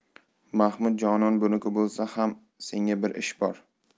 mahmud jonon buniki bo'lsa ham senga bir ish bor